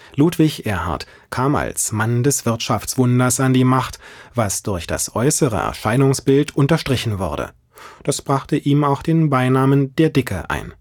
Ludwig Erhard kam als Mann des Wirtschaftswunders an die Macht, was durch das äußere Erscheinungsbild unterstrichen wurde. Das brachte ihm auch den Beinamen „ der Dicke “ein